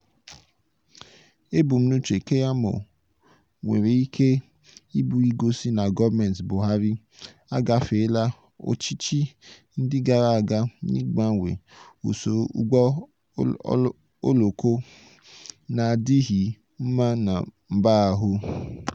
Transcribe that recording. Ebumnuche Keyamo nwere ike ịbụ igosi na gọọmentị Buhari agafeela ọchịchị ndị gara aga n'ịgbanwe usoro ụgbọ oloko na-adịghị mma na mba ahụ.